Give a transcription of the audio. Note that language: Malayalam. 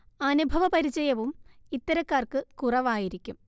അനുഭവ പരിചയവും ഇത്തരക്കാർക്ക് കുറവായിരിക്കും